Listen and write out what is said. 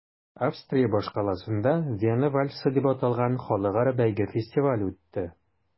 Австрия башкаласында “Вена вальсы” дип аталган халыкара бәйге-фестиваль үтте.